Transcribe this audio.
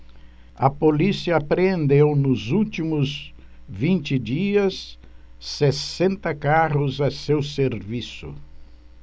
a polícia apreendeu nos últimos vinte dias sessenta carros a seu serviço